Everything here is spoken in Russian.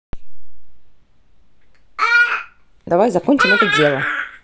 давай закончим это дело